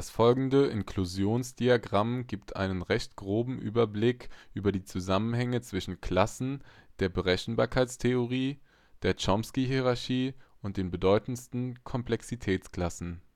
folgende Inklusionsdiagramm gibt einen – recht groben – Überblick über die Zusammenhänge zwischen Klassen der Berechenbarkeitstheorie, der Chomsky-Hierarchie und den bedeutendsten Komplexitätsklassen